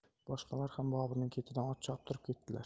boshqalar ham boburning ketidan ot choptirib ketdilar